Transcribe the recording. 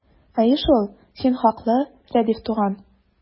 Әйе шул, син хаклы, Рәдиф туган!